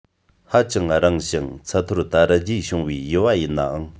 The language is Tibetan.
ཧ ཅང རིང ཞིང ཚད མཐོར དར རྒྱས བྱུང བའི ཡུ བ ཡིན ནའང